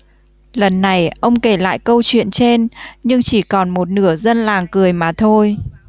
lần này ông kể lại câu chuyện trên nhưng chỉ còn một nữa dân làng cười mà thôi